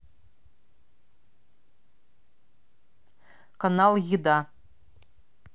канал еда